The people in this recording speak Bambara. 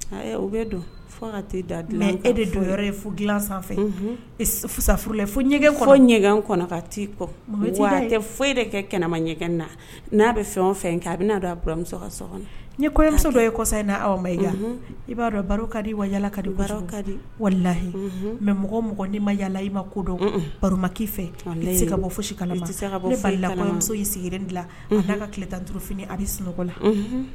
U bɛ don fo ka da dila e de don yɔrɔ ye sanfɛ fo ɲɛ kɔrɔ ɲɛgɛn kɔnɔ ka kɔ tɛ foyi e de kɛ kɛnɛma ɲɛgɛn na n'a bɛ fɛn o fɛn kɛ a bɛ'a don amuso ka sɔrɔ ni kɔɲɔmuso dɔ kɔsa ye' aw ma i i b'a dɔn baro ka di ila kadi walilayi mɛ mɔgɔ mɔgɔ ni ma yalala i ma kodɔn baromaki fɛ se ka bɔsi se ka bɔ muso'i sigilen dilan a'a ka ki duf a bɛ sunɔgɔ la